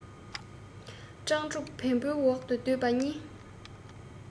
སྤྲང ཕྲུག བེམ པོའི འོག ཏུ སྡོད པ གཉིས